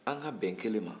an ka bɛn kelen ma